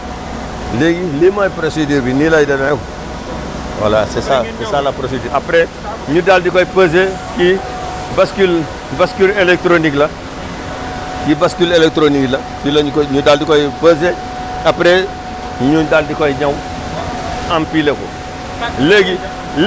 mu daal di koy dindi léegi lii mooy procédure bi nii lay demee voilà c' est ça c' est ça la procédure après ñu daal di koy peser kii bascule bascule electronique la kii bascule électronique la fii lañ koy ñu daal di koy peser après : fra ñu daal di koy ñaw empiler ko